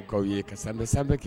O k'aw ye ka bɛ sanfɛ bɛɛ kɛ